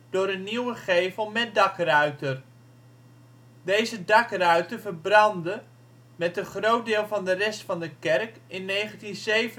door een nieuwe gevel met dakruiter. Deze dakruiter verbrandde met een groot deel van de rest van de kerk in 1957